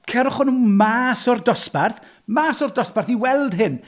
Cerwch nhw mas o'r dosbarth. Mas o'r dosbarth i weld hyn.